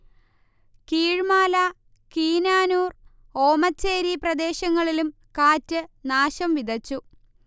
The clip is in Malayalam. കീഴ്മാല, കിനാനൂർ, ഓമച്ചേരി പ്രദേശങ്ങളിലും കാറ്റ് നാശംവിതച്ചു